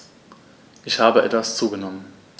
Ich habe etwas zugenommen